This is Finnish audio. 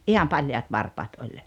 ihan paljaat varpaat oli